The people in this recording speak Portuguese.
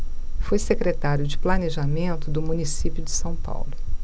foi secretário de planejamento do município de são paulo